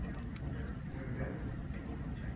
Керергәме